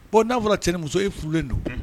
Bon n'a fɔra cɛ muso i furulen don